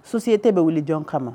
Suye tɛ bɛ wuli jɔn kama